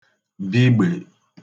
bigbè